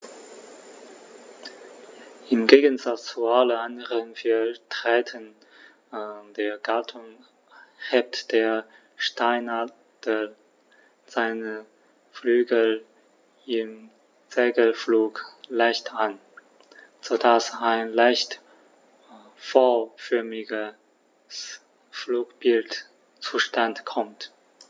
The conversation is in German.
Im Gegensatz zu allen anderen Vertretern der Gattung hebt der Steinadler seine Flügel im Segelflug leicht an, so dass ein leicht V-förmiges Flugbild zustande kommt.